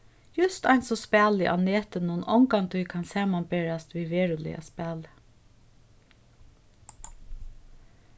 júst eins og spælið á netinum ongantíð kann samanberast við veruliga spælið